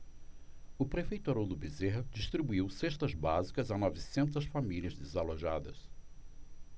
o prefeito haroldo bezerra distribuiu cestas básicas a novecentas famílias desalojadas